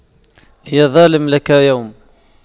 يا ظالم لك يوم